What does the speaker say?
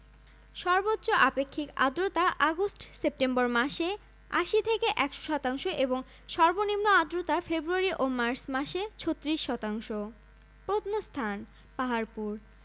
সর্বোচ্চ আপেক্ষিক আর্দ্রতা আগস্ট সেপ্টেম্বর মাসে ৮০ থেকে ১০০ শতাংশ এবং সর্বনিম্ন আর্দ্রতা ফেব্রুয়ারি ও মার্চ মাসে ৩৬ শতাংশ প্রত্নস্থানঃ পাহাড়পুর